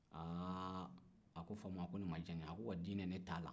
aa a ko faama nin ma diya ne ye a ko w'a dinɛ ne t'a la